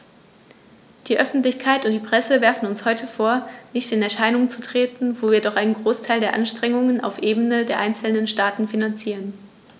Die Öffentlichkeit und die Presse werfen uns heute vor, nicht in Erscheinung zu treten, wo wir doch einen Großteil der Anstrengungen auf Ebene der einzelnen Staaten finanzieren.